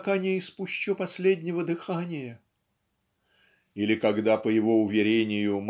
пока не испущу последнего дыхания" или когда по его уверению